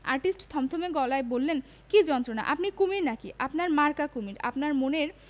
artist থমথমে গলায় বললেন কি যন্ত্রণা আপনি কি কুমীর না কি আপনার মাকা কুমীর আপনার মনের